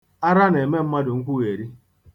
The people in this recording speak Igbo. Ara na-eme mmadụ nkwugheri.